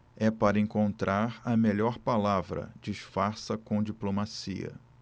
é para encontrar a melhor palavra disfarça com diplomacia